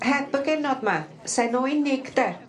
heb y genod 'ma se'n o unig 'de?